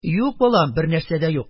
Юк, балам, бернәрсә дә юк.